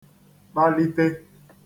kpali(te)